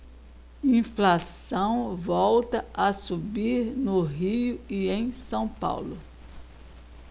inflação volta a subir no rio e em são paulo